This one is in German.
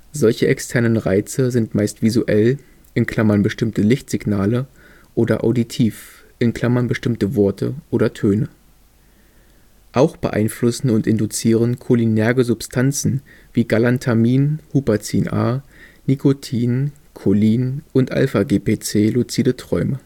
Solche externen Reize sind meist visuell (bestimmte Lichtsignale) oder auditiv (bestimmte Worte oder Töne). Auch beeinflussen und induzieren cholinerge Substanzen, wie Galantamin, Huperzin A, Nikotin, Cholin und Alpha-GPC luzide Träume